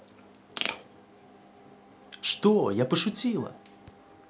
что я пошутила